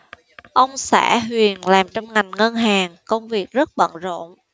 ông xã huyền làm trong ngành ngân hàng công việc rất bận rộn